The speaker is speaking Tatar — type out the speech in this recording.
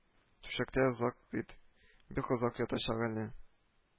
Түшәктә озак, бит бик озак ятачак әле